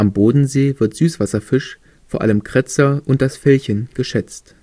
Bodensee wird Süßwasserfisch, vor allem Kretzer und das Felchen, geschätzt